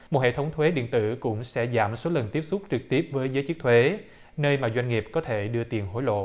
một hệ thống thuế điện tử cũng sẽ giảm số lần tiếp xúc trực tiếp với giới chức thuế nơi mà doanh nghiệp có thể đưa tiền hối lộ